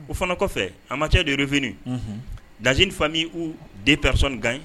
O fana kɔfɛ a macɛ de fini daz fami u den pɛresɔnnikan ɲi